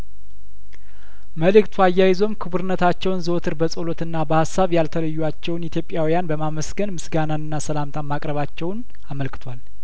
መልእክቱ አያይዞም ክቡርነታቸውን ዘወትር በጸሎትና በሀሳብ ያልተለዩ ዋቸውን ኢትዮጵያውያን በማመስገን ምስጋናና ሰላምታ ማቅረባቸውን አመልክቷል